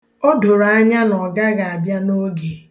O doro anya na ọ gaghị abịa n'oge.